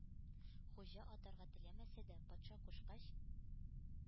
Хуҗа атарга теләмәсә дә, патша кушкач,